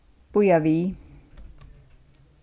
bíða við